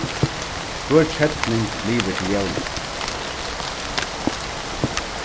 hvør kelling livir til jóla